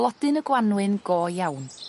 blodyn y Gwanwyn go iawn.